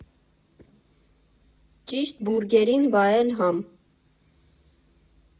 Ճիշտ բուրգերին վայել համ։